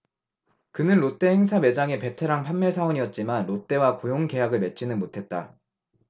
그는 롯데 행사매장의 베테랑 판매사원이었지만 롯데와 고용계약을 맺지는 못했다